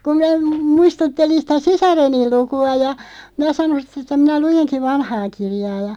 kun minä - muistuttelin sitä sisareni lukua ja minä sanoin sitten että minä luenkin vanhaa kirjaa ja